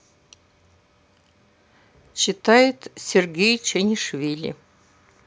читает сергей чанишвили